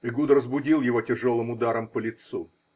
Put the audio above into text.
Эгуд разбудил его тяжелым ударом по лицу.